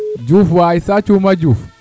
Diouf waay Sa Thiouma Diouf